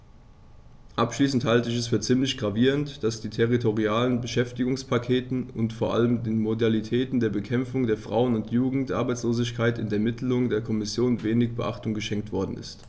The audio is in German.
Abschließend halte ich es für ziemlich gravierend, dass den territorialen Beschäftigungspakten und vor allem den Modalitäten zur Bekämpfung der Frauen- und Jugendarbeitslosigkeit in der Mitteilung der Kommission wenig Beachtung geschenkt worden ist.